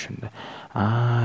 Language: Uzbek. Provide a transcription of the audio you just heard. a a a